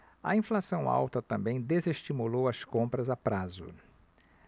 a inflação alta também desestimulou as compras a prazo